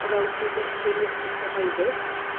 o fewn cyd-destun iechyd cyhoeddus,